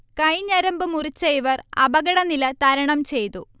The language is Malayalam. കൈ ഞരമ്ബ് മുറിച്ച ഇവർ അപകടനില തരണം ചെയ്തു